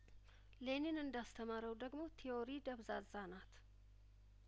ሌኒን እንዳስ ተማረው ደግሞ ቲዮሪ ደብ ዛዛናት